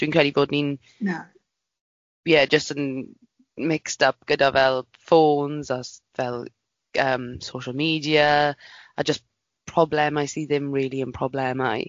Dwi'n credu bod ni'n... Na. ...yeah jyst yn mixed up gyda fel ffôns a s- fel yym social media a jyst problemau sydd ddim rili yn problemau.